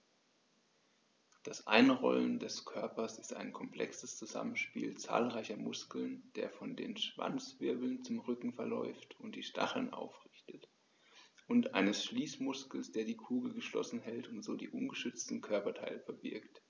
Das Einrollen des Körpers ist ein komplexes Zusammenspiel zahlreicher Muskeln, der von den Schwanzwirbeln zum Rücken verläuft und die Stacheln aufrichtet, und eines Schließmuskels, der die Kugel geschlossen hält und so die ungeschützten Körperteile verbirgt.